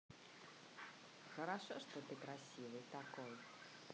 хорошо что ты красивый такой